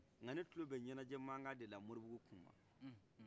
nka ne kulobɛ ɲɛnɛjɛ mankan dela mɔrijuku kuma